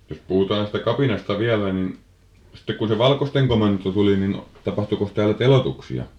jos puhutaan sitä kapinasta vielä niin sitten kun se valkoisten komento tuli niin - tapahtuikos täällä teloituksia